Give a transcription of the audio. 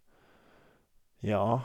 Ja.